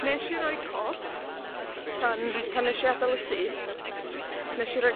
Wnesh i roi cot pan, pan nesh i adal y tŷ, ness i roi